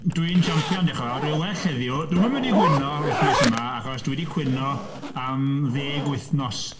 Dwi'n champion diolch yn fawr, dwi'n well heddiw. Dwi'm yn mynd i gwyno wythnos yma achos dwi 'di cwyno am ddeg wythnos.